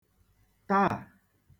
taà!